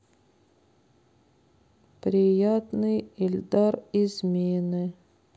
приятный ильдар измены